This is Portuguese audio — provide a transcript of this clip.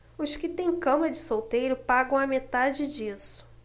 os que têm cama de solteiro pagam a metade disso